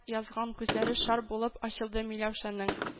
Язган күзләре шар булып ачылды миләүшәнең